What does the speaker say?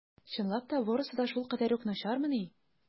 Чынлап та барысы да шулкадәр үк начармыни?